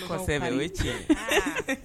Kosɛbɛ ye tiɲɛ